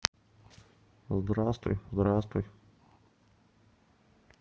здравствуй здравствуй